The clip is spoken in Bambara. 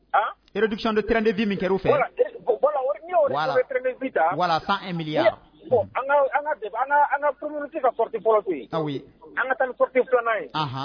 Retiɔnrbi kɛ